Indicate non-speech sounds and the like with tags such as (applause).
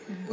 (hesitation) (hesitation)